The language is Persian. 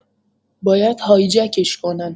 باید هایجکش کنن